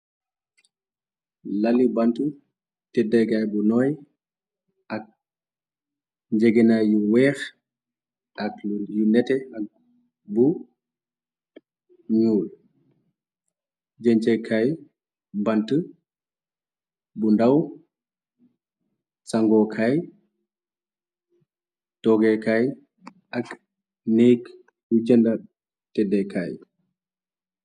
Kali bant teddeegaay bu nooy ak njegina yu weex ak yu nete ak bu nuul jencekaay bant bu ndaw sangokaay toggekaay ak néek yu cënda téddekaay.